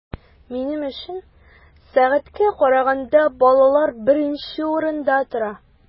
Минем өчен сәнгатькә караганда балалар беренче урында тора.